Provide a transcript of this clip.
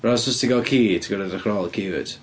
Os fysa ti'n cael ci, ti'n gorfod edrych ar ôl y ci wyt.